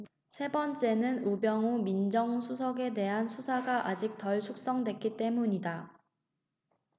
세 번째는 우병우 민정수석에 대한 수사가 아직은 덜 숙성됐기 때문이다